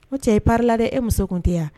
N cɛ i paré la dɛ e muso tun tɛ yan.